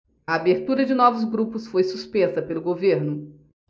a abertura de novos grupos foi suspensa pelo governo